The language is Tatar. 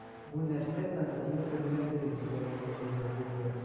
Бу нәрсә концертны төрләндереп җибәрергә әйбәт булды.